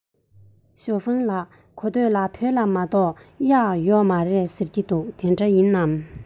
ཞའོ ཧྥུང ལགས གོ ཐོས ལ བོད ལྗོངས མ གཏོགས གཡག ཡོད མ རེད ཟེར གྱིས དེ འདྲ ཡིན ན